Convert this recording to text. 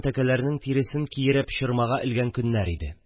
Тәкәләрнең тиресен киереп чормага элгән көннәр иде